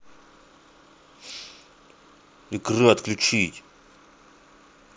икра отключить